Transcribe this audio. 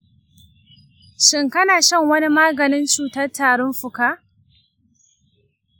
shin kana shan wani maganin cutar tarin fuka ?